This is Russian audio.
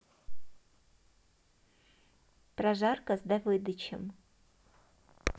прожарка с давыдычем